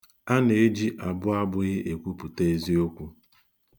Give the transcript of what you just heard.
A na-eji abụabụghị ekwupụta eziokwu.